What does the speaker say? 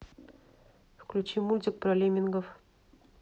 включи мультик про леммингов